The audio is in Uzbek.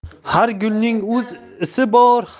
har gulning o'z isi bor